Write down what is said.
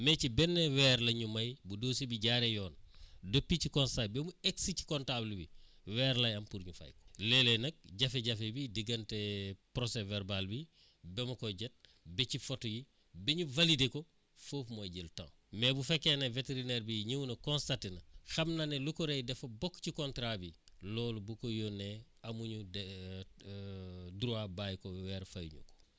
mais ci benn weer laññu may bu dossier bi jaaree yoon depuis ci constat bi ba mu egsi ci comptable bi weer lay am pour ñu fay ko léeg-léeg nag jafe-jafe bi diggante procès verbal bi ba ma koy jot ba ci photos yi ba ñu valider ko foofu mooy jël temps mais bu fekkee ne vétérinaire bi ñëw na constater na xam na ne lu ko rey dafa bokk ci contrat bi loolu bu ko yónnee amuñu de droit bàyyi ko weer fayuñu ko